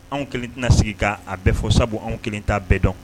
Anw 1 tena sigi k'a a bɛɛ fɔ sabu anw 1 t'a bɛɛ dɔn